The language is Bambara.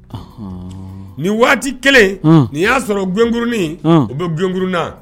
Ni waati kelen ni y'a sɔrɔ gkurun u bɛ gkurunan